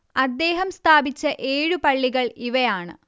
അദ്ദേഹം സ്ഥാപിച്ച ഏഴു പള്ളികൾ ഇവയാണ്